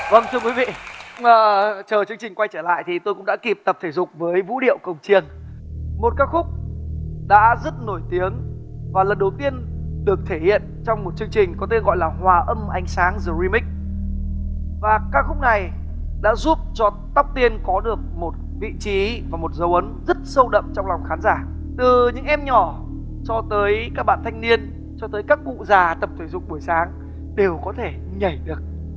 vâng thưa quý vị ờ chờ chương trình quay trở lại thì tôi cũng đã kịp tập thể dục với vũ điệu cồng chiêng một ca khúc đã rất nổi tiếng và lần đầu tiên được thể hiện trong một chương trình có tên gọi là hòa âm ánh sáng dờ ri míc và ca khúc này đã giúp cho tóc tiên có được một vị trí và một dấu ấn rất sâu đậm trong lòng khán giả từ những em nhỏ cho tới các bạn thanh niên cho tới các cụ già tập thể dục buổi sáng đều có thể nhảy được